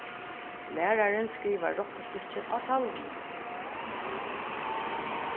lærarin skrivar roknistykkið á talvuna